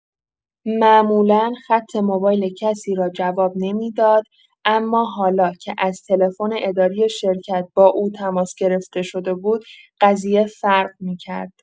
معمولا خط موبایل کسی را جواب نمی‌داد، اما حالا که از تلفن اداری شرکت با او تماس گرفته شده بود، قضیه فرق می‌کرد.